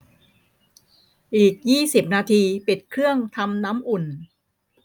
อีกยี่สิบนาทีปิดเครื่องทำน้ำอุ่น